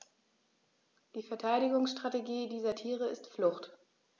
Die Verteidigungsstrategie dieser Tiere ist Flucht.